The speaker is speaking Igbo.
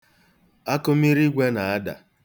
Akụmirigwe ka na-ada.